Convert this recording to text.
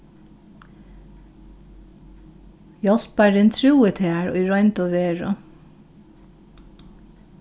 hjálparin trúði tær í roynd og veru